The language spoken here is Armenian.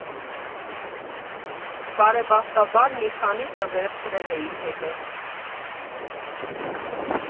Բարեբախտաբար, մի քանիսը վերցրել էի հետս։